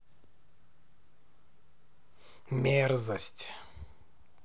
мерзость